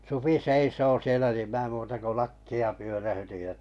supi seisoo siellä niin minä muuta kuin lakkia pyöräytin ja